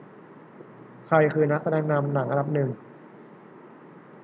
ใครคือนักแสดงนำหนังอันดับหนึ่ง